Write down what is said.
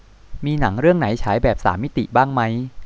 มีหนังเรื่องไหนฉายแบบสามมิติบ้างมั้ย